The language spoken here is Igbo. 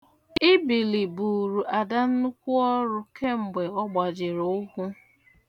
Ibili buuru Ada nnukwu ọrụ kemgbe ọgbajiri ụkwụ.